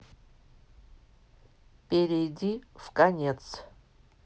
перейди в конец